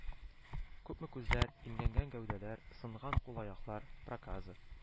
Күпме күзләр, имгәнгән гәүдәләр, сынган кул-аяклар, проказа